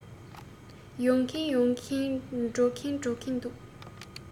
ཡོང གིན ཡོང གིན འགྲོ གིན འགྲོ གིན འདུག